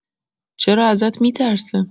چرا ازت می‌ترسه؟